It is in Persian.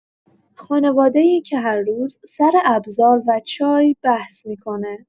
خانواده‌ای که هر روز سر ابزار و چای بحث می‌کنه.